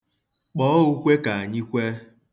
Kpọọ ukwe ka anyị kwee.